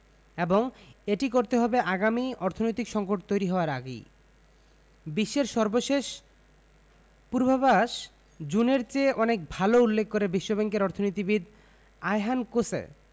এবং এটি করতে হবে আগামী অর্থনৈতিক সংকট তৈরি হওয়ার আগেই বিশ্বের সর্বশেষ পূর্বাভাস জুনের চেয়ে অনেক ভালো উল্লেখ করে বিশ্বব্যাংকের অর্থনীতিবিদ আয়হান কোসে